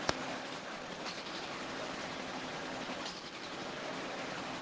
реклама и реальность